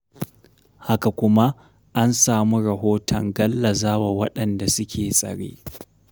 Haka kuma, an samu rahoton gallazawa waɗanda suke tsare.